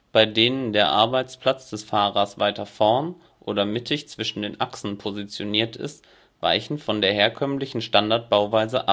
bei denen der Arbeitsplatz des Fahrers weiter vorn oder mittig zwischen den Achsen positioniert ist, weichen von der herkömmlichen Standard-Bauweise